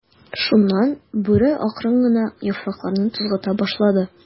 Шуннан Бүре акрын гына яфракларны тузгыта башлады.